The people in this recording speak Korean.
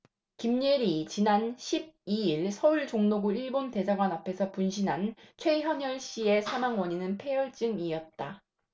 김예리 지난 십 이 일 서울 종로구 일본대사관 앞에서 분신한 최현열씨의 사망 원인은 패혈증이었다